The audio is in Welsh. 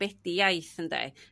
be 'di iaith ynde?